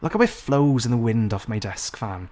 Look how it flows in the wind off my desk fan.